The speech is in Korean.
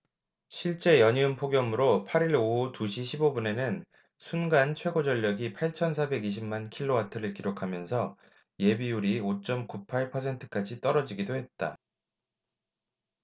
실제 연이은 폭염으로 팔 일 오후 두 시 십 오 분에는 순간 최고전력이 팔천 사백 이십 만 를 기록하면서 예비율이 오 쩜 구 팔 퍼센트까지 떨어지기도 했다